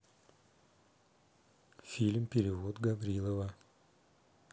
фильм перевод гаврилова